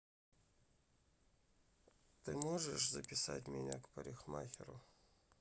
ты можешь записать меня к парикмахеру